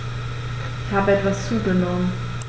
Ich habe etwas zugenommen